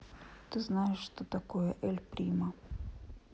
ты знаешь что такое эль примо